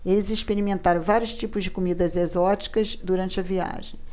eles experimentaram vários tipos de comidas exóticas durante a viagem